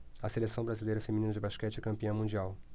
a seleção brasileira feminina de basquete é campeã mundial